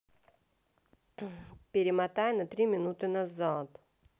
перемотай на три минуты назад